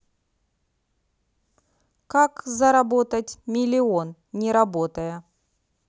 как заработать миллион не работая